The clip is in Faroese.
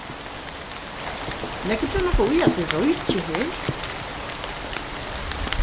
leggur tú nakað í at eg royki her